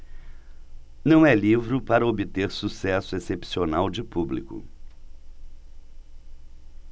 não é livro para obter sucesso excepcional de público